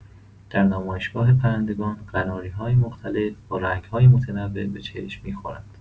در نمایشگاه پرندگان، قناری‌های مختلف با رنگ‌های متنوع به چشم می‌خورند.